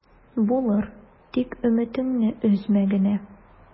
Булыр, тик өметеңне өзмә генә...